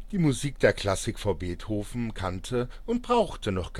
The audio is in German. Musik der Klassik vor Beethoven kannte und brauchte noch